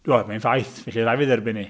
Wel, mae'n ffaith, felly rhaid i fi dderbyn hi.